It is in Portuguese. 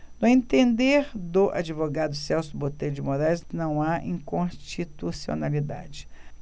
no entender do advogado celso botelho de moraes não há inconstitucionalidade